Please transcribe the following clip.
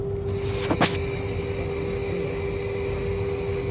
давай у тебя голос приятный